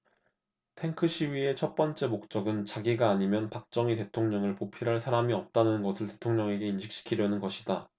탱크 시위의 첫 번째 목적은 자기가 아니면 박정희 대통령을 보필할 사람이 없다는 점을 대통령에게 인식시키려는 것이다